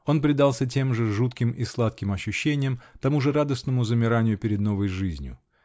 Он предался тем же жутким и сладким ощущениям, тому же радостному замиранию перед новой жизнью.